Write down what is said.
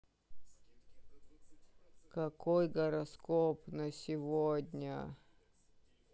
какой гороскоп на сегодня